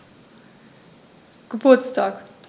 Geburtstag